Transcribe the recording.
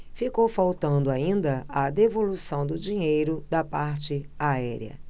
ficou faltando ainda a devolução do dinheiro da parte aérea